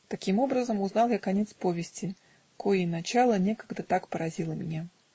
Таким образом узнал я конец повести, коей начало некогда так поразило меня.